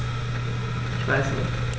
Ich weiß nicht.